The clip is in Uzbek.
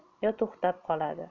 yo to'xtab qoladi